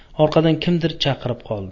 orqadan kimdir chaqirib qoldi